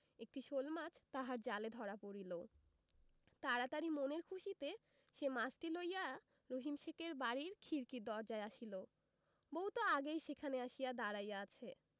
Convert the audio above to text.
একটি শোলমাছ তাহার জালে ধরা পড়িল তাড়াতাড়ি মনের খুশীতে সে মাছটি লইয়া রহিম শেখের বাড়ির খিড়কি দরজায় আসিল বউ তো আগেই সেখানে আসিয়া দাঁড়াইয়া আছে